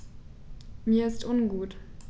Mir ist ungut.